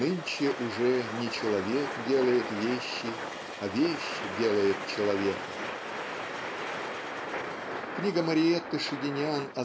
"нынче уже не человек делает вещи а вещь делает человека". Книга Мариэтты Шагинян